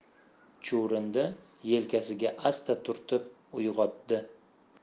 chuvrindi yelkasiga asta turtib uyg'otdi